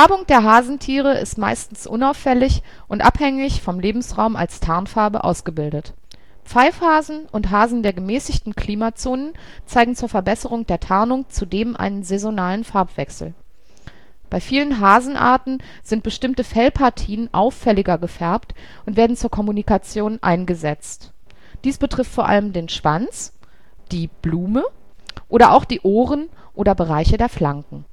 Hasentiere ist meistens unauffällig und abhängig vom Lebensraum als Tarnfarbe ausgebildet. Pfeifhasen und Hasen der gemäßigten Klimazonen zeigen zur Verbesserung der Tarnung zudem einen saisonalen Farbwechsel. Bei vielen Hasenarten sind bestimmte Fellpartien auffälliger gefärbt und werden zur Kommunikation eingesetzt – dies betrifft vor allem den Schwanz (die „ Blume “), aber auch die Ohren oder Bereiche der Flanken